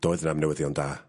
doedd 'na 'm newyddion da.